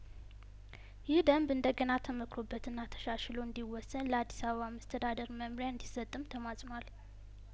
ይህ ደንብ እንደገና ተመክሮ በትና ተሻሽሎ እንዲወሰን ለአዲስ አበባ መስተዳድር መመሪያ እንዲሰጥም ተማጽኗል